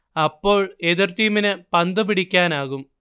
അപ്പോൾ എതിർ ടീമിന് പന്തു പിടിക്കാനാകും